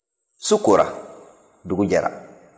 su kora dugu jɛra